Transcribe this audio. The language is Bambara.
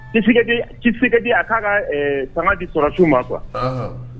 Cisedi a'a ka taamaga di sɔrɔsiw ma kuwa